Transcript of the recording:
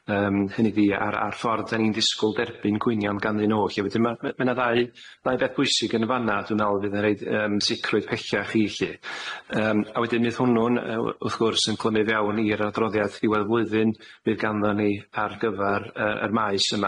Yym hynny 'di a'r a'r ffordd 'dan ni'n disgwl derbyn cwynion ganddyn nw 'lly wedyn ma' ma' ma' 'na ddau ddau beth pwysig yn y fana dwi'n meddwl fydd yn reid yym sicrwydd pellach i 'lly yym a wedyn fydd hwnnw'n yy w- wrth gwrs yn clymu fewn i'r adroddiad ddiwedd blwyddyn fydd ganddo ni ar gyfar y y maes yma.